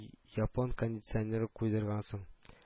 Япон кондиционеры куйдыргансың